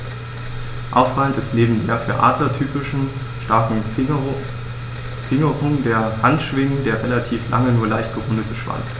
Auffallend ist neben der für Adler typischen starken Fingerung der Handschwingen der relativ lange, nur leicht gerundete Schwanz.